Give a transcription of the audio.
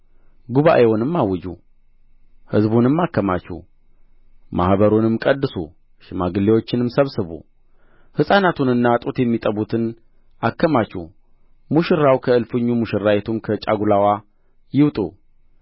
ጉባኤውንም አውጁ ሕዝቡንም አከማቹ ማኅበሩንም ቀድሱ ሽማግሌዎቹንም ሰብስቡ ሕፃናቱንና ጡት የሚጠቡትን አከማቹ ሙሽራው ከእልፍኙ ሙሽራይቱም ከጫጉላዋ ይውጡ